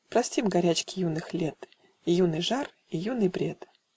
Простим горячке юных лет И юный жар и юный бред.